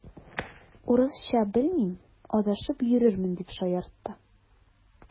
Урысча белмим, адашып йөрермен, дип шаяртты.